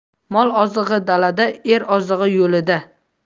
mol ozig'i dalada er ozig'i yo'lida